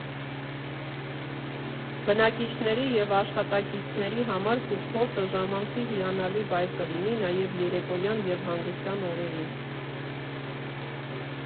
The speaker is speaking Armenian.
Բնակիչների և աշխատակիցների համար ֆուդ֊քորթը ժամանցի հիանալի վայր կլինի նաև երեկոյան և հանգստյան օրերին։